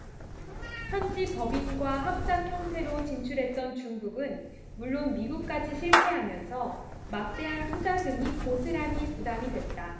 현지법인과 합작형태로 진출했던 중국은 물론 미국까지 실패하면서 막대한 투자금이 고스란히 부담이 됐다